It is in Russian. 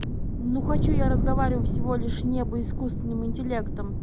ну хочу я разговариваю всего лишь небо искусственным интеллектом